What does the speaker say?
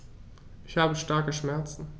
Ich habe starke Schmerzen.